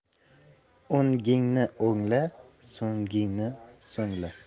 o'ngini o'ngla so'ngini so'ngla